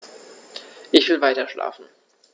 Ich will weiterschlafen.